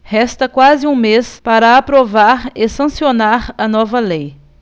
resta quase um mês para aprovar e sancionar a nova lei